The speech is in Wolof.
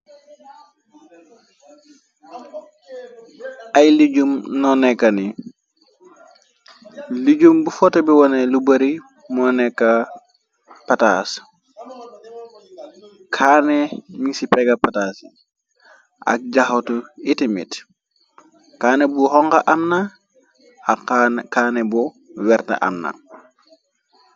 Ay lijum no nekka ni lijum bu foto bi wone lu bari moo nekka pataas kaane mi ci pega pataas yi ak jaxatu itimit kanne bu xonka amna ak kanne bu werte amna.